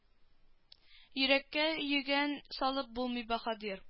Йөрәккә йөгән салып булмый баһадир